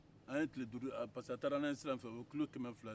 an ye tile duuru de kɛ parce que a taara n'an ye sira min fɛ o ye kilo kɛmɛ fila de ye